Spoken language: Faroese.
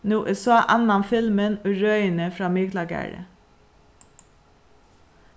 nú eg sá annan filmin í røðini frá miklagarði